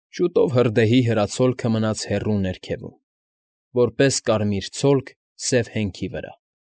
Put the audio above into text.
Շուտով հրդեհի հրացոլքը մնաց հեռու ներքևում, որպես կարմիր ցոլք սև հենքի վրա։